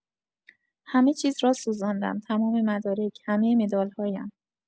همه چیز را سوزاندم، تمام مدارک، همه مدال‌هایم.